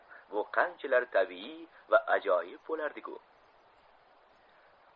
bu qanchalar tabiiy va ajoyib bo'lardi ku